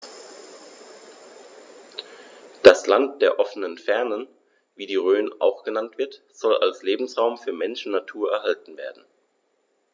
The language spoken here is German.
Das „Land der offenen Fernen“, wie die Rhön auch genannt wird, soll als Lebensraum für Mensch und Natur erhalten werden.